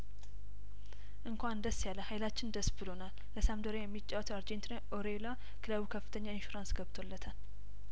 እንኳን ደስ ያለህ ሀይላችን ደስ ብሎናል ለሳምፕዶሪያየሚ ጫወተው አርጀንቲና ዊው ኦሪዬላ ክለቡ ከፍተኛ ኢንሹራንስ ገብቶ ለታል